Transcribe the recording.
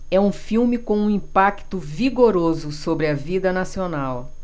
é um filme com um impacto vigoroso sobre a vida nacional